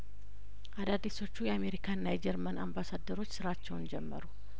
አዳዲሶቹ የአሜሪካና የጀርመን አምባሳደሮች ስራቸውን ጀመሩ